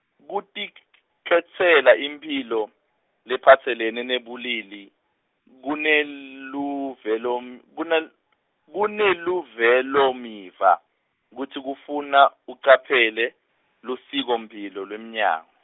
kutik- -khetsela imphilo, lephatselene nebulili, kuneluvelo-, kune-, kuneluvelomiva, futsi kufuna ucaphele, lusikomphilo lwemmango.